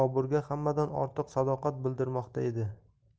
uchun boburga hammadan ortiq sadoqat bildirmoqda edi